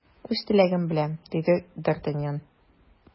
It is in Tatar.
Үз теләгем белән! - диде д’Артаньян.